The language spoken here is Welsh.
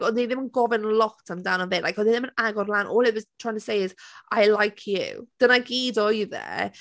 Oedden ni ddim yn gofyn lot amdano fe. Like, odd e ddim yn agor lan, all it was trying to say is, "I like you." Dyna i gyd oedd e.